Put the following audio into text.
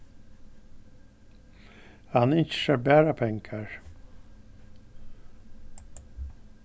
hann ynskir sær bara pengar